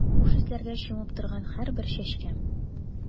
Хуш исләргә чумып торган һәрбер чәчкә.